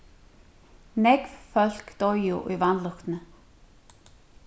nógv fólk doyðu í vanlukkuni